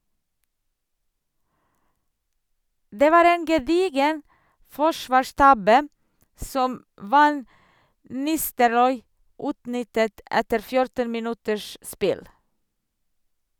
Det var en gedigen forsvarstabbe, som Van Nistelrooy utnyttet etter 14 minutters spill.